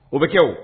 O bɛ kɛ